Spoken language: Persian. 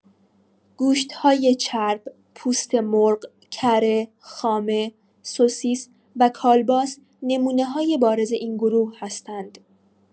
گوشت‌های چرب، پوست مرغ، کره، خامه، سوسیس و کالباس نمونه‌های بارز این گروه هستند.